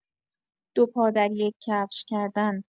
دو پا در یک کفش کردن